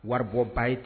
Waribɔ ba ye